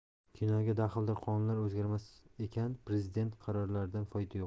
kinoga daxldor qonunlar o'zgarmas ekan prezident qarorlaridan foyda yo'q